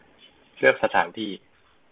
เลือกสถานที่